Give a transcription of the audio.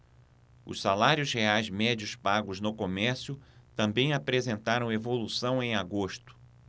os salários reais médios pagos no comércio também apresentaram evolução em agosto